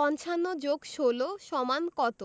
৫৫ + ১৬ = কত